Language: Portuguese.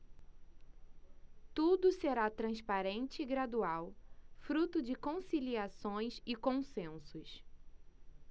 tudo será transparente e gradual fruto de conciliações e consensos